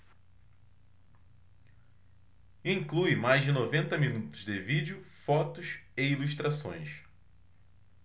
inclui mais de noventa minutos de vídeo fotos e ilustrações